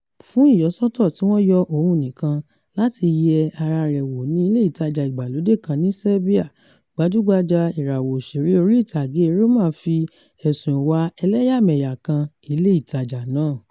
Fún ìyọsọ́tọ̀ tí wọ́n yọ òun nìkan láti yẹ ara rẹ̀ wò ní ilé ìtajà ìgbàlódé kan ní Serbia, gbajúgbajà ìràwọ̀ òṣèré orí-ìtàgé Roma fi ẹ̀sùn ìwà elẹ́yàmẹyà kan ilé ìtajà náà